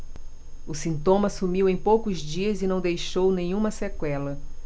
o sintoma sumiu em poucos dias e não deixou nenhuma sequela